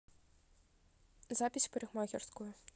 запись в парикмахерскую